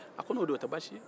a ko n'o don o tɛ baasi ye